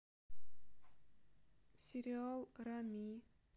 сериал рами